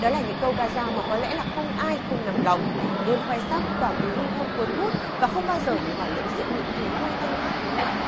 đó là những câu ca dao mà có lẽ là không ai không nằm lòng luôn khoe sắc tỏa mùi hương thơm cuốn hút và không bao giờ bị hòa lẫn giữa những thứ hôi tanh khác phải không ạ